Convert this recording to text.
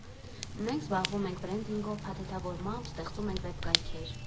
Մենք զբաղվում ենք բրենդինգով, փաթեթավորմամբ, ստեղծում ենք վեբկայքեր։